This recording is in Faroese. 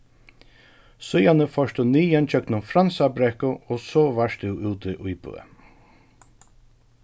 síðani fórt tú niðan gjøgnum fransabrekku og so vart tú úti í bø